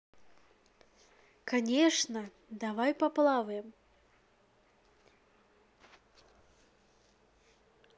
конечно давай поплаваем